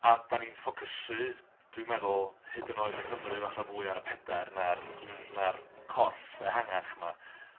A dan ni'n ffocysu dwi'n meddwl, hyd yn oed yng Nghymru falle, fwy ar y pedair na'r... na'r corff ehangach 'ma.